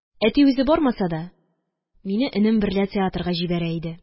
Әти, үзе бармаса да, мине энем берлә театрга җибәрә иде.